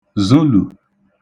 żụlù